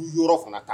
U yɔrɔ fana kan